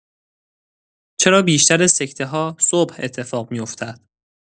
چرا بیشتر سکته‌ها صبح اتفاق می‌افتد؟